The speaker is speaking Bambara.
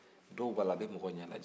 dɔw b'a la a bɛ mɔgɔ ɲɛnajɛ